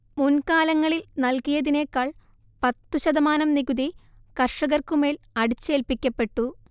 മുൻകാലങ്ങളിൽ നൽകിയതിനേക്കാൾ പത്തുശതമാനം നികുതി കർഷകർക്കുമേൽ അടിച്ചേൽപ്പിക്കപ്പെട്ടു